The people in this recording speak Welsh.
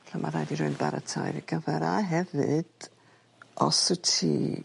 lle ma' raid i rywun baratoi ar 'i gyfer a hefyd os wt ti